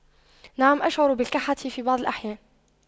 نعم أشعر بالكحة في بعض الأحيان